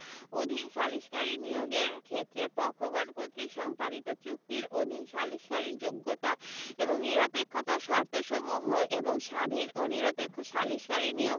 অধীন সালিসকারী নিয়োগের ক্ষেত্রে পক্ষগণ কর্তৃক সম্পাদিত চুক্তির অধীন সালিসকারীর যোগ্যতা এবং নিরপেক্ষতার শর্তসমূহ এবং স্বাধীন ও নিরপেক্ষ সালিসকারী নিয়োগ